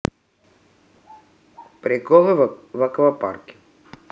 приколы в аквапарке